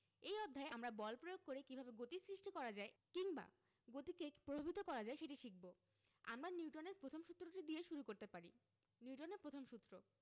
এই অধ্যায়ে আমরা বল প্রয়োগ করে কীভাবে গতির সৃষ্টি করা যায় কিংবা গতিকে প্রভাবিত করা যায় সেটি শিখব আমরা নিউটনের প্রথম সূত্রটি দিয়ে শুরু করতে পারি নিউটনের প্রথম সূত্র